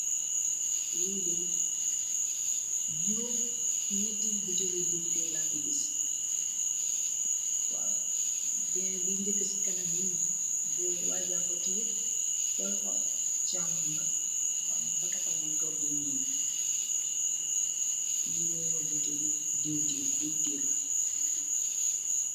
li dee jorom nyeeti buteeli diwtiir la fi giss, bena bu jakka si kanam ni waa janko teey, si lokho chamuge ba munfa takka munturr bu niol. li lagn nyu wakh diwtirr.